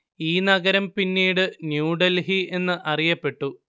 ഈ നഗരം പിന്നീട് ന്യൂ ഡെല്‍ഹി എന്ന് അറിയപ്പെട്ടു